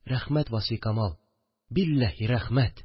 Рәхмәт, Васфикамал, билләһи, рәхмәт